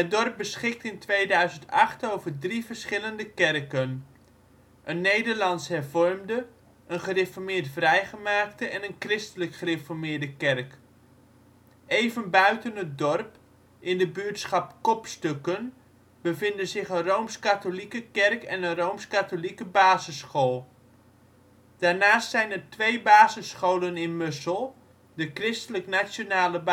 dorp beschikt in 2008 over drie verschillende kerken, een Nederlands-hervormde, een Gereformeerd-vrijgemaakte en een Christelijke Gereformeerde kerk. Even buiten het dorp, in de buurtschap Kopstukken bevinden zich een rooms-katholieke kerk en een rooms-katholieke basisschool. Daarnaast zijn er twee basisscholen in Mussel, de christelijk-nationale